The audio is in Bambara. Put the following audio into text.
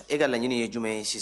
E ka laɲini ye jumɛn ye sisan